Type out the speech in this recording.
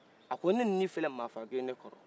a ko ne ni filɛ maafaagene kɔrɔ